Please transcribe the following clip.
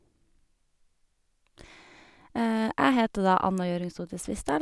Jeg heter da Anna Jørgensdotter Svisdal.